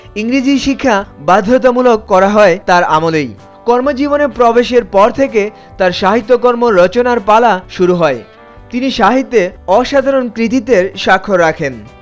ইংরেজি শিক্ষা বাধ্যতামূলক করা হয় তার আমলেই কর্মজীবনে প্রবেশের পর থেকে তার সাহিত্যকর্ম রচনার পালা শুরু হয় তিনি সাহিত্যে অসাধারণ কৃতিত্বের স্বাক্ষর রাখেন